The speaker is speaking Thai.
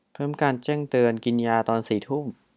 เพิ่มการแจ้งเตือนกินยาตอนสี่ทุ่ม